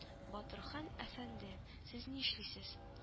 Батырхан әфәнде, сез нишлисез